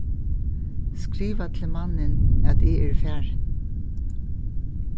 skriva til mannin at eg eri farin